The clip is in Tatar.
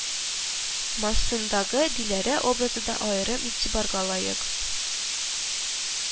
Масындагы диләрә образы да аерым игътибарга лаек